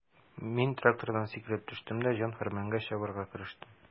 Мин трактордан сикереп төштем дә җан-фәрманга чабарга керештем.